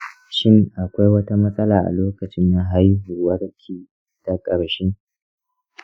shin akwai wata matsala a lokacin haihuwarki ta ƙarshe?